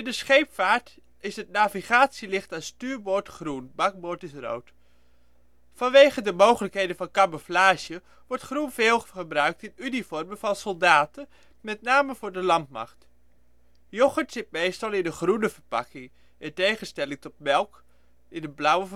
de scheepvaart is het navigatielicht aan stuurboord groen (bakboord is rood). Vanwege de mogelijkheden van camouflage wordt groen veel gebruikt in uniformen van soldaten, met name voor de landmacht. Yoghurt zit meestal in een groene verpakking, in tegenstelling tot melk (blauw)